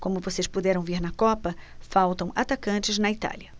como vocês puderam ver na copa faltam atacantes na itália